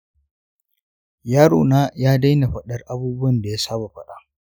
yarona ya daina faɗar abubuwan da ya saba faɗa